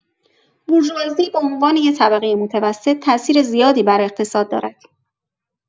بورژوازی به عنوان یک طبقه متوسط، تاثیر زیادی بر اقتصاد دارد.